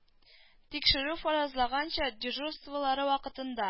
Тикшерү фаразлаганча дежурстволары вакытында